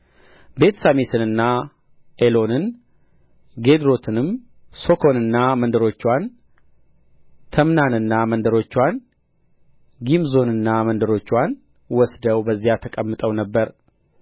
ቤትሳሚስንና ኤሎንን ግዴሮትንም ሦኮንና መንደሮችዋን ተምናንና መንደሮችዋን ጊምዞንና መንደሮችዋን ወስደው በዚያ ተቀምጠው ነበር